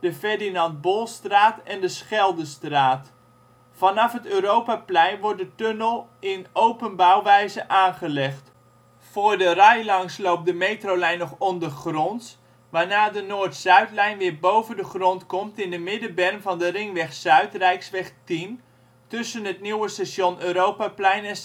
de Ferdinand Bolstraat en de Scheldestraat door middel van een geboorde tunnel. Vanaf het Europaplein wordt de tunnel in open bouwwijze gemaakt. Voor de RAI langs loopt de metrolijn nog ondergronds, waarna de Noord/Zuidlijn weer boven de grond komt in de middenberm van de Ringweg Zuid (Rijksweg 10) tussen het nieuwe station Europaplein en